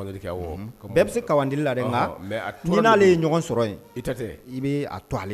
kɛ awɔɔ bɛɛ be se kawandeli la dɛ ɔhɔɔ mais a tora ŋaa n'i n'ale ye ɲɔgɔn sɔrɔ ye i ta tɛɛ i bee a to ale ta la